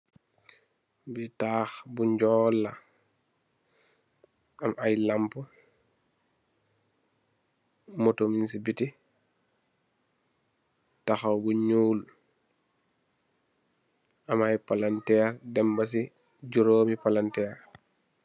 Bi taxx bu njol la am ay lampa, motto mung ci bitih taxaw bu ñuul, am ay palanterr dem ba ci juromi palanterr.